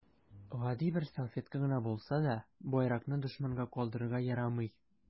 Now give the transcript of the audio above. Гади бер салфетка гына булса да, байракны дошманга калдырырга ярамый.